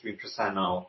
dwi'n presennol